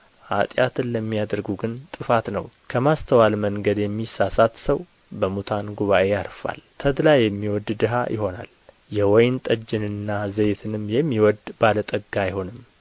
ኃጢአትን ለሚያደርጉ ግን ጥፋት ነው ከማስተዋል መንገድ የሚሳሳት ሰው በሙታን ጉባኤ ያርፋል ተድላ የሚወድድ ድሀ ይሆናል የወይን ጠጅንና ዘይትንም የሚወድድ ባለጠጋ አይሆንም